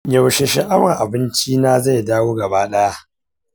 yaushe sha'awar abincina zai dawo gaba ɗaya?